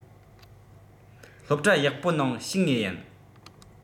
སློབ གྲྭ ཡག པོ ནང ཞུགས ངེས ཡིན